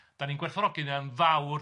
Dan ni'n gwerthfawrogi hynna'n fawr.